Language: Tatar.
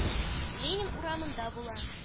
Ленин урамында була.